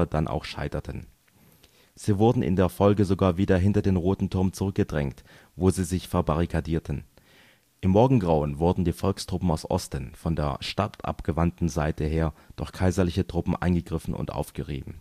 dann auch scheiterten. Sie wurden in der Folge sogar wieder hinter den Roten Turm zurückgedrängt, wo sie sich verbarrikadierten. Im Morgengrauen wurden die Volkstruppen aus Osten, von der stadtabgewandten Seite her, durch kaiserliche Truppen angegriffen und aufgerieben